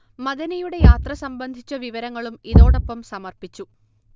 മദനിയുടെ യാത്ര സംബന്ധിച്ച വിവരങ്ങളും ഇതോടൊപ്പം സമർപ്പിച്ചു